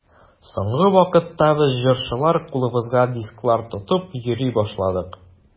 Соңгы вакытта без, җырчылар, кулыбызга дисклар тотып йөри башладык.